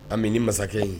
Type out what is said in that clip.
Ami ni masakɛ in